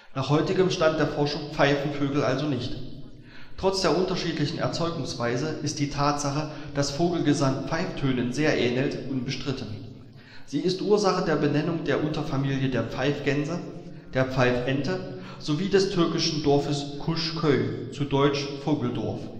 nach heutigem Stand der Forschung pfeifen Vögel also nicht. Trotz der unterschiedlichen Erzeugungsweise ist die Tatsache, dass Vogelgesang Pfeiftönen sehr ähnelt, unbestritten. Sie ist Ursache der Benennung der Unterfamilie der Pfeifgänse, der Pfeifente sowie des türkischen Dorfes Kuşköy (Vogeldorf